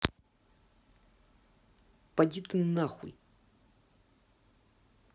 поди ты нахуй